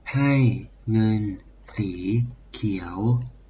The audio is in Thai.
ให้เงินสีเขียว